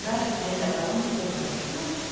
ular benzokolonkaga burilishdi yu